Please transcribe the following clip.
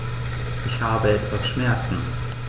Ich habe etwas Schmerzen.